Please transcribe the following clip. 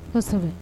Kosɛbɛ